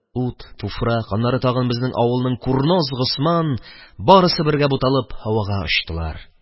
Ут, туфрак, аннары тагын безнең авылның курнос Госман – барысы бергә буталып, һавага очтылар.